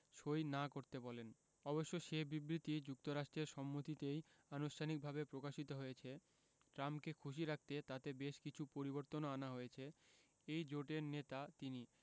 সই না করতে বলেন অবশ্য সে বিবৃতি যুক্তরাষ্ট্রের সম্মতিতেই আনুষ্ঠানিকভাবে প্রকাশিত হয়েছে ট্রাম্পকে খুশি রাখতে তাতে বেশ কিছু পরিবর্তনও আনা হয়েছে এই জোটের নেতা তিনি